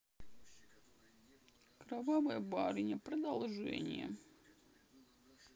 кровавая барыня продолжение